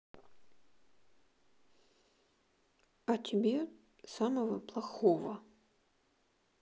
а тебе самого плохого